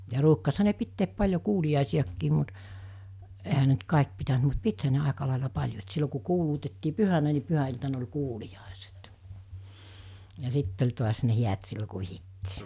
ja ruukasihan ne pitää paljon kuuliaisiakin mutta eihän ne nyt kaikki pitänyt mutta pitihän ne aika lailla paljon että silloin kun kuulutettiin pyhänä niin pyhäiltana oli kuuliaiset ja sitten oli taas ne häät silloin kun vihittiin